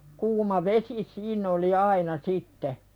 kuuma vesi siinä oli aina sitten